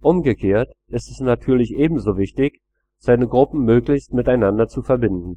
Umgekehrt ist es natürlich ebenso wichtig, seine Gruppen möglichst miteinander zu verbinden